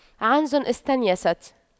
عنز استتيست